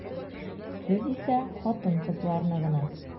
Сез исә хатын-кызларны гына.